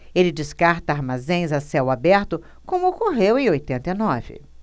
ele descarta armazéns a céu aberto como ocorreu em oitenta e nove